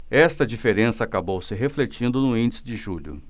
esta diferença acabou se refletindo no índice de julho